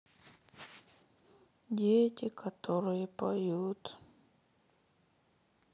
дети которые поют